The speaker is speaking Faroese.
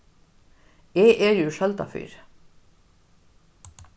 eg eri úr søldarfirði